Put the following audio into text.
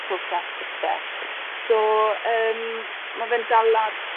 protest ya pthe. So yym ma' fe'n dala'r